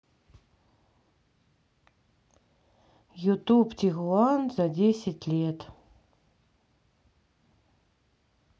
ютуб тигуан за десять лет